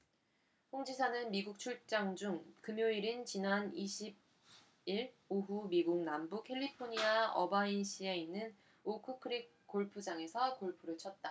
홍 지사는 미국 출장 중 금요일인 지난 이십 일 오후 미국 남부 캘리포니아 어바인시에 있는 오크 크릭 골프장에서 골프를 쳤다